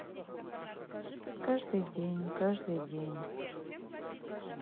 каждый день каждый день